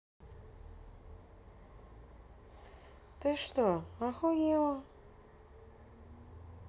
ты что охуела